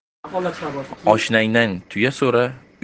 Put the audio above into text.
oshnangdan tuya so'ra